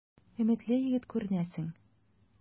Өметле егет күренәсең.